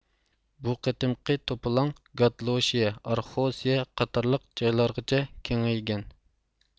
بۇ قېتىمقى توپىلاڭ گادلوشىيە ئاراخوسىيە قاتارلىق جايلارغىچە كېڭەيگەن